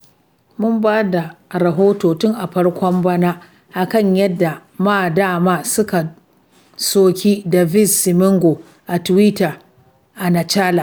Mun ba da rahoto tun a farkon bana a kan yadda MDM suka soki Daviz Simango a tiwita a Nacala.